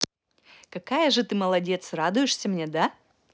какая же ты молодец радуешься мне да